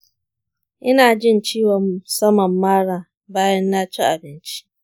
ina jin ciwon saman mara bayan naci abinci.